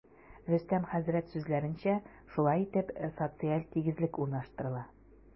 Рөстәм хәзрәт сүзләренчә, шулай итеп, социаль тигезлек урнаштырыла.